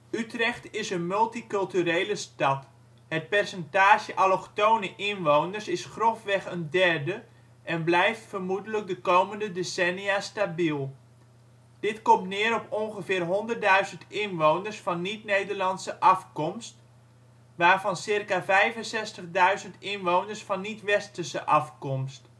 Utrecht is een multiculturele stad; het percentage allochtone inwoners is grofweg een derde en blijft vermoedelijk de komende decennia stabiel. Dit komt neer op ongeveer 100.000 inwoners van niet-Nederlandse afkomst, waarvan ca. 65.000 inwoners van niet-westerse afkomst